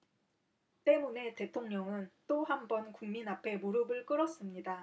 때문에 대통령은 또 한 번 국민 앞에 무릎을 꿇었습니다